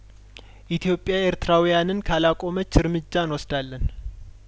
ኢትዮጵያ ኤርትራውያንን ካላቆመች እርምጃ እንወስዳለን